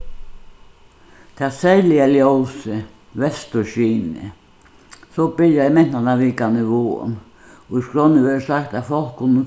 tað serliga ljósið vesturskinið so byrjaði mentanarvikan í vágum í skránni verður sagt at fólk kunnu